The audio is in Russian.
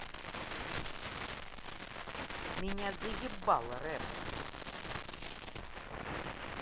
меня заебал рэп